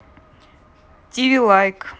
тиви лайк